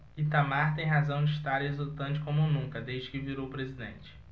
itamar tem razão de estar exultante como nunca desde que virou presidente